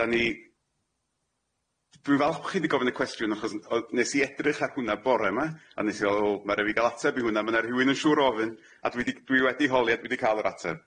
Dan ni dwi falch bo' chi di gofyn y cwestiwn achos o- nes i edrych ar hwnna bore ma a nes i fel wel ma' rai' fi ga'l ateb i hwnna ma' na rywun yn siŵr o ofyn a dwi di dwi wedi holi a dwi di ca'l yr ateb.